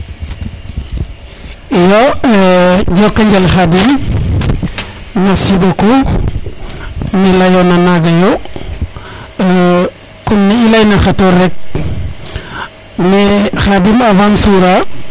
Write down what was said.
iyo Joko njal Khadim merci beaucoup ne leyona naga yo comme ne i leyna xator rek mais Khadim avant um sura